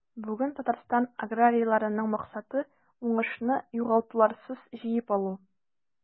Бүген Татарстан аграрийларының максаты – уңышны югалтуларсыз җыеп алу.